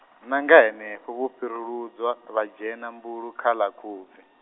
nga henefho vho fhiruludzwa, vha dzhena mbulu, kha ḽa Khubvi.